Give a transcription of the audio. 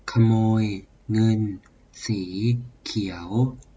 ขโมยเงินสีเขียว